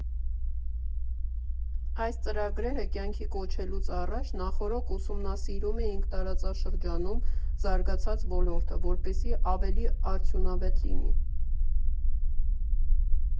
Այս ծրագրերը կյանքի կոչելուց առաջ նախօրոք ուսումնասիրում էինք տարածաշրջանում զարգացած ոլորտը, որպեսզի ավելի արդյունավետ լինի։